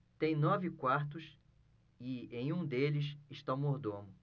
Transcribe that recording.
tem nove quartos e em um deles está o mordomo